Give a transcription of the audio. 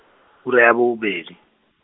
ura ya bobedi.